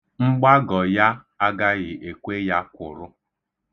Mgbagọ ya agaghị ekwe ya kwụrụ.